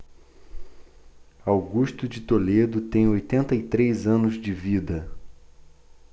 augusto de toledo tem oitenta e três anos de vida